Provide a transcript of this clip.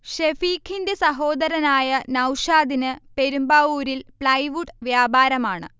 ഷെഫീഖിന്റെ സഹോദരനായ നൗഷാദിന് പെരുമ്ബാവൂരിൽ പ്ലൈവുഡ് വ്യാപാരമാണ്